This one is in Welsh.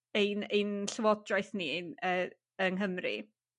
ein ein llywodraeth ni yy yng Nghymru.